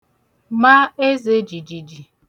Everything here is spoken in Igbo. ma ezē jìjìjì